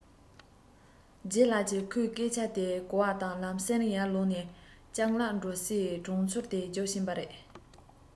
ལྗད ལགས ཀྱིས ཁོའི སྐད ཆ དེ གོ བ དང ལམ སེང ཡར ལངས ནས སྤྱང ལགས འགྲོ སའི གྲོང ཚོ དེར རྒྱུགས ཕྱིན པ རེད